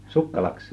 Sukkalaksi